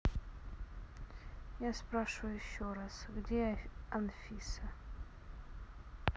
я спрашиваю еще раз где анфиса